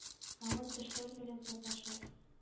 Авыр төшләр белән саташып,